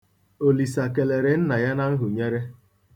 Olisa kelere nna ya na nhunyere.